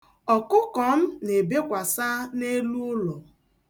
Ọkụkọ m na-ebekwasa n'elu ụlọ.